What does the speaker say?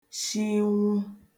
shinwụ